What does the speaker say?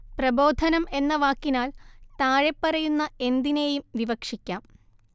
പ്രബോധനം എന്ന വാക്കിനാൽ താഴെപ്പറയുന്ന എന്തിനേയും വിവക്ഷിക്കാം